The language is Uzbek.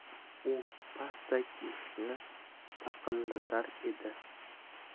u pastak eshikni taqillatar edi